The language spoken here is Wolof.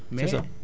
waa suuf am